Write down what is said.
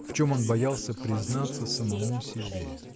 в чем он боялся признаться самому себе.